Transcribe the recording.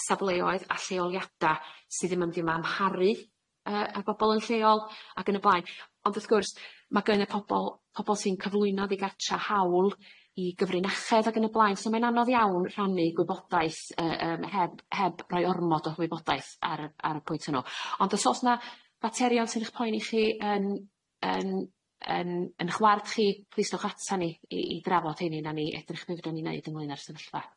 safleoedd a lleoliada sy ddim yn mynd i amharu yy ar bobol yn lleol ag yn y blaen ond wrth gwrs ma' gyn y pobol pobol sy'n cyflwyno'n ddigartra hawl i gyfrinachedd ag yn y blaen so mae'n anodd iawn rhannu gwybodaeth yy yym heb heb roi ormod o wybodaeth ar y ar y pwynt hwnnw ond os o's 'na faterion sy'n eich poeni chi yn yn yn yn y'ch ward chi plis dewch ata ni i i drafod heini nawn ni edrych be' fedran ni neud ynglyn â'r sefyllfa.